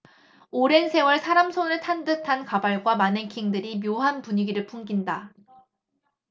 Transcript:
오랜 세월 사람 손을 탄 듯한 가발과 마네킹들이 묘한 분위기를 풍긴다